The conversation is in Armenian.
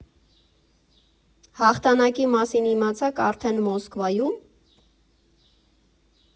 Հաղթանակի մասին իմացաք արդեն Մոսկվայու՞մ։